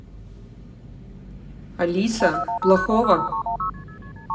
алиса плохого